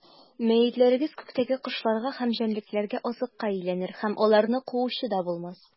Мәетләрегез күктәге кошларга һәм җәнлекләргә азыкка әйләнер, һәм аларны куучы да булмас.